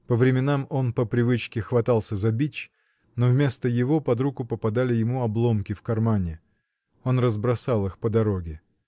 По временам он, по привычке, хватался за бич, но вместо его под руку попадали ему обломки в кармане он разбросал их по дороге.